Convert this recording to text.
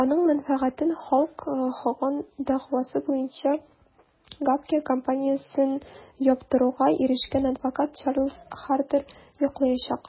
Аның мәнфәгатен Халк Хоган дәгъвасы буенча Gawker компаниясен яптыруга ирешкән адвокат Чарльз Хардер яклаячак.